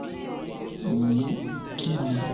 Uh, uh, kínni.